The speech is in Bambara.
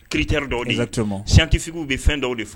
Kiiritari dɔw santitigiwugu bɛ fɛn dɔw de fɛ